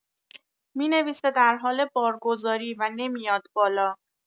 می‌نویسه در حال بارگذاری و نمیاد بالا